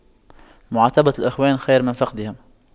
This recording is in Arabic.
معاتبة الإخوان خير من فقدهم